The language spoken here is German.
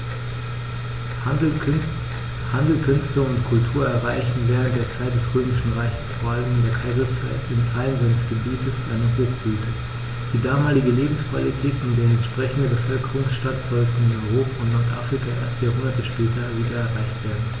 Handel, Künste und Kultur erreichten während der Zeit des Römischen Reiches, vor allem in der Kaiserzeit, in Teilen seines Gebietes eine Hochblüte, die damalige Lebensqualität und der entsprechende Bevölkerungsstand sollten in Europa und Nordafrika erst Jahrhunderte später wieder erreicht werden.